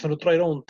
natha nw droi rownd